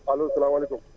allo salaamaaleykum